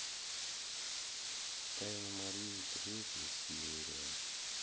тайна марии третья серия